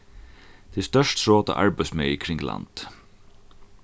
tað er stórt trot á arbeiðsmegi kring landið